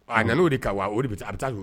A nan'w de ka wa o a bɛ taa don